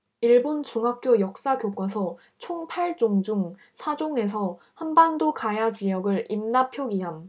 일본 중학교 역사교과서 총 팔 종 중 사 종에서 한반도 가야지역을 임나 표기함